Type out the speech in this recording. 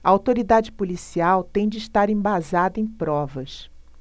a autoridade policial tem de estar embasada em provas